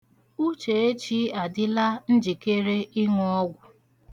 Uchechi adịla njikere ịṅụ ọgwụ.